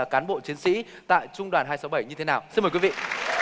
cán bộ chiến sĩ tại trung đoàn hai sáu bảy như thế nào xin mời quý vị